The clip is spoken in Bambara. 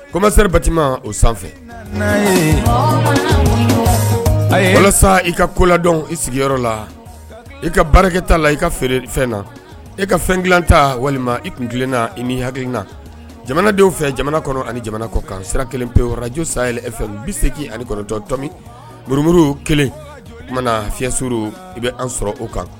Komasri bati o sanfɛ n' ye ayiwa walasa i ka koladɔn i sigiyɔrɔ la i ka baarakɛ ta la i ka feere fɛn na e ka fɛn dila ta walima i tun tilenna i ni ha na jamanadenw fɛ jamana kɔnɔ ani jamana kɔ kan sira kelen peraj sa yefɛ i bɛ se k' ani kɔrɔtɔ tomi murumuru kelen mana fisiw i bɛ an sɔrɔ o kan